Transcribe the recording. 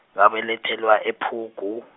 ngabelethelwa ePhugu.